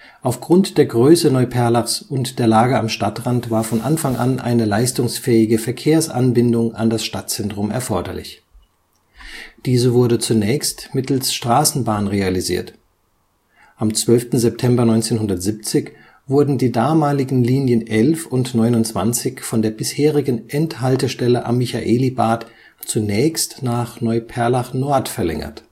Aufgrund der Größe Neuperlachs und der Lage am Stadtrand war von Anfang an eine leistungsfähige Verkehrsanbindung an das Stadtzentrum erforderlich. Diese wurde zunächst mittels Straßenbahn realisiert. Am 12. September 1970 wurden die damaligen Linien 11 und 29 von der bisherigen Endhaltestelle am Michaelibad zunächst nach Neuperlach Nord (Heinrich-Wieland-Straße auf Höhe Karl-Marx-Ring) verlängert